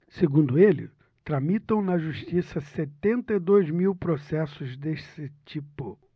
segundo ele tramitam na justiça setenta e dois mil processos desse tipo